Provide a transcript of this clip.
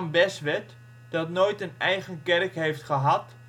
Beswerd, dat nooit een eigen kerk heeft gehad